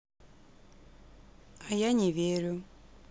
а я не верю